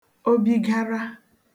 obigara